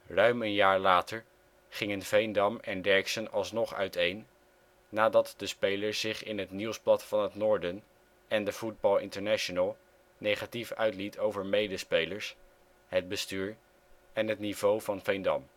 Ruim een jaar later gingen Veendam en Derksen alsnog uiteen, nadat de speler zich in het Nieuwsblad van het Noorden en de Voetbal International negatief uitliet over medespelers, het bestuur en het niveau van Veendam.Ook